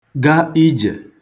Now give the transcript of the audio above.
ga ijè